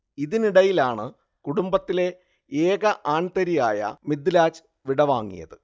ഇതിനിടയിലാണ് കുടുംബത്തിലെ ഏക ആൺതരിയായ മിദ്ലാജ് വിടവാങ്ങിയത്